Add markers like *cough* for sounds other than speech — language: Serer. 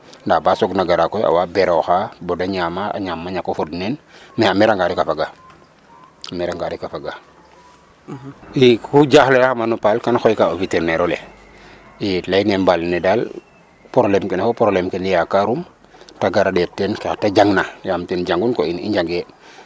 Ndaa ba soogna gara koy awa berooxaa boo da ñaamaa a ñaam awa ñak o fod meen ndaa a meranga rek a fagaa ,meranga rek a faga *hesitation* ii. Ku jaxlandaxama na paal kam xooyka o vétérinaire ole i layin ne mbaal nene daal probléme kene fo probléme kene yakarum ta gara ɗeet teen ka ta jangna yaam ten jangun koy in i njangee.